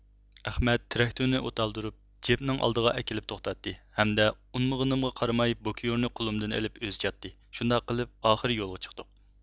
ئەخمەت تراكتورنى ئوت ئالدۇرۇپ جىپنىڭ ئالدىغا ئەكىلىپ توختاتتى ھەمدە ئۇنىمىغىنىمغا قارىماي بوكيۇرنى قولۇمدىن ئېلىپ ئۆزى چاتتى شۇنداق قىلىپ ئاخىرى يولغا چىقتۇق